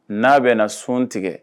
N'a bɛ na sun tigɛ